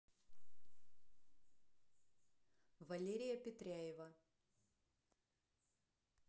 валерия петряева